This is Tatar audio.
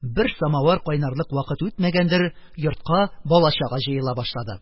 Бер самовар кайнарлык вакыт үтмәгәндер, йортка бала чага җыела башлады.